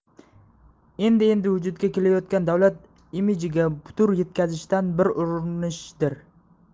endi endi vujudga kelayotgan davlat imijiga putur yetkazishga bir urinishdir